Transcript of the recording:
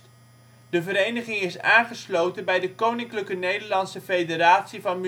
De vereniging is aangesloten bij de Koninklijke Nederlandse Federatie van